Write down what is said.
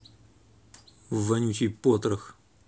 вонючий потрох